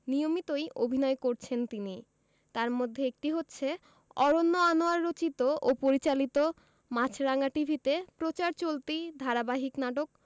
নিয়মিতই অভিনয় করছেন তিনি তার মধ্যে একটি হচ্ছে অরন্য আনোয়ার রচিত ও পরিচালিত মাছরাঙা টিভিতে প্রচার চলতি ধারাবাহিক নাটক